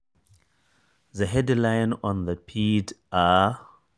The headlines on the feed are